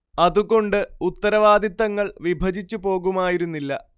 അതുകൊണ്ട് ഉത്തരവാദിത്തങ്ങൾ വിഭജിച്ച് പോകുമായിരുന്നില്ല